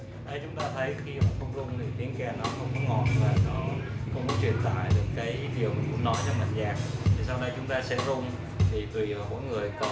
chúng ta thấy khi không rung tiếng kèn sẽ không ngọt ngào và không thể chuyển tải được nội dung bài nhạc tới khán giả sau đây chúng ta sẽ rung